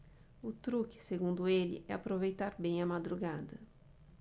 o truque segundo ele é aproveitar bem a madrugada